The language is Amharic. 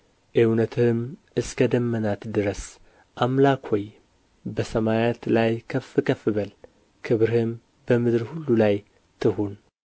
እውነትህም እስከ ደመናት ድረስ አምላክ ሆይ በሰማያት ላይ ከፍ ከፍ በል ክብርህም በምድር ሁሉ ላይ ትሁን